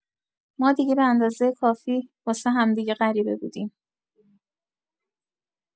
ما دیگه به‌اندازه کافی واسه همدیگه غریبه بودیم